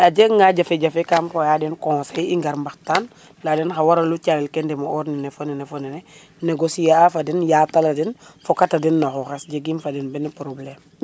mais a jega nga jafe jafe kam xoyaden conseil gar mbaxtaan leyaden xa wara lu calel ke ɗemo or nene fo nene negocier a fa den yatala den foka den na xoxes jegim fa den ben probleme